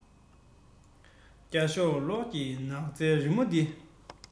རྒྱ ཤོག ལོགས ཀྱི སྣག ཚའི རི མོ འདི